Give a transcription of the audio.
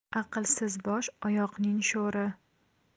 aqlsiz bosh oyoqning sho'ri